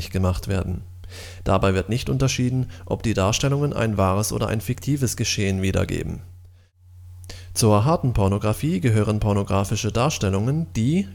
gemacht werden. Dabei wird nicht unterschieden, ob die Darstellungen ein wahres oder ein fiktives Geschehen wiedergeben. Zur harten Pornografie gehören pornografische Darstellungen, die